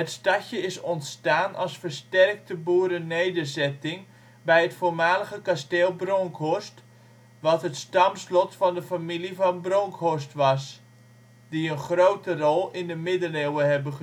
stadje is ontstaan als versterkte boerennederzetting bij het voormalige kasteel Bronkhorst, wat het stamslot van de familie Van Bronckhorst was, die een grote rol in de middeleeuwen hebben